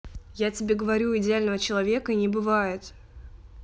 я тебе говорю идеального человека не бывает